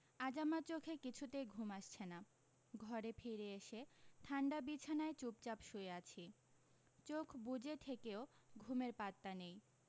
আজ আমার চোখে কিছুতেই ঘুম আসছে না ঘরে ফিরে এসে ঠান্ডা বিছানায় চুপচাপ শুয়ে আছি চোখ বুঁজে থেকেও ঘুমের পাত্তা নেই